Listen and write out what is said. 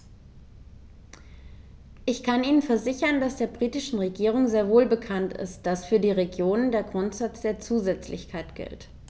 Ich kann Ihnen versichern, dass der britischen Regierung sehr wohl bekannt ist, dass für die Regionen der Grundsatz der Zusätzlichkeit gilt.